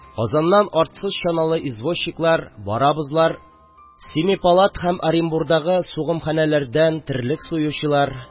Казаннан артсыз чаналы извозчиклар – «барабызлар», Семипалат һәм Оренбурдагы сугымхәнәләрдән терлек суючылар;